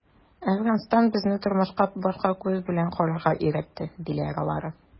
“әфганстан безне тормышка башка күз белән карарга өйрәтте”, - диләр алар.